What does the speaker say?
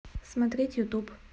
смотреть ютюб